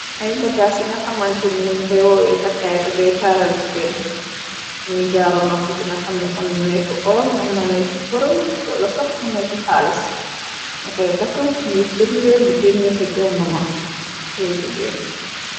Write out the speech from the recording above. Ay bagaas yi nga xamante ni ñu koy wowee takkaay te day taaral jigeen. Muni jaaro nopp bi nga xamn mën naneku orr mën naneku përëm. Wala sax mënek xaalis na koy takk muy firnde diggénne ca jong ma yaw jogeenY.